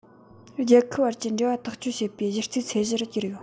རྒྱལ ཁབ བར གྱི འབྲེལ བ ཐག གཅོད བྱེད པའི གཞི རྩའི ཚད གཞི རུ གྱུར ཡོད